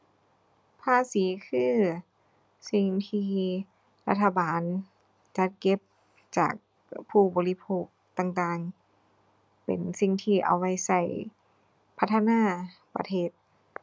ภาษีคือสิ่งที่รัฐบาลจัดเก็บจาก ผู้บริโภคต่างต่าง เป็นสิ่งที่เอาไว้ใช้พัฒนาประเทศ